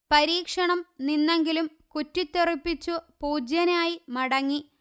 പരീക്ഷണം നിന്നെങ്കിലും കുറ്റിത്തെറുപ്പിച്ചു പൂജ്യനായി മടങ്ങി